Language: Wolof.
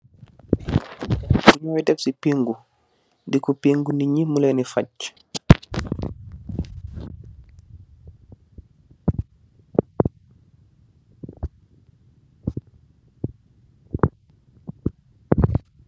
Loy def si paingu, diko paingu ninyi, muleeni fach.